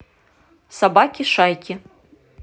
собаки шайки